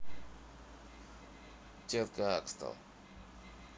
тетка акстел